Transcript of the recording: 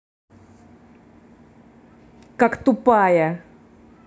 как тупая